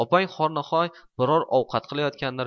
opang hoynahoy biron ovqat qilayotgandir